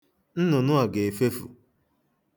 Nnụnụ a ga-efefu.